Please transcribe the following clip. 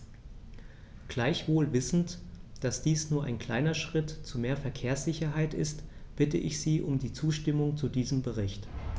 Gleichwohl wissend, dass dies nur ein kleiner Schritt zu mehr Verkehrssicherheit ist, bitte ich Sie um die Zustimmung zu diesem Bericht.